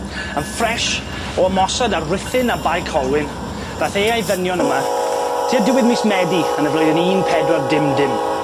Yn ffres o ymosod ar Ruthun a Bae Colwyn dath e a'i ddynion yma tua diwedd mis Medi yn y flwyddyn un pedwar dim dim.